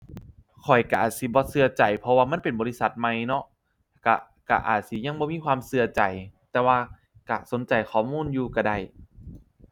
ข้อยก็อาจสิบ่ก็ใจ เพราะว่ามันเป็นบริษัทใหม่เนาะ ก็ ก็อาจสิยังบ่มีความก็ใจ แต่ว่าก็สนใจข้อมูลอยู่ก็ได้